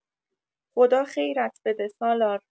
خدا خیرت بده سالار